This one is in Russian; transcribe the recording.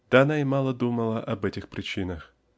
Да она и мало думала об этих причинах.